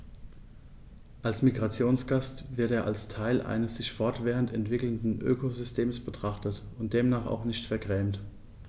Als Migrationsgast wird er als Teil eines sich fortwährend entwickelnden Ökosystems betrachtet und demnach auch nicht vergrämt.